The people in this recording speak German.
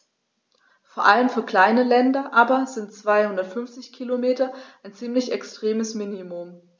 Vor allem für kleine Länder aber sind 250 Kilometer ein ziemlich extremes Minimum.